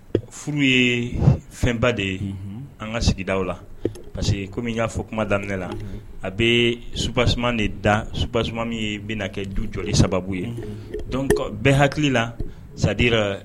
Furu ye fɛnba de ye an ka sigida la parce que komi y'a fɔ kuma da la a bɛ subas susuman min ye bɛna kɛ du jɔ sababu ye bɛɛ hakili la sadira